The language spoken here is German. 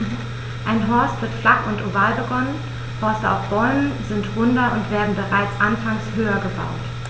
Ein Horst wird flach und oval begonnen, Horste auf Bäumen sind runder und werden bereits anfangs höher gebaut.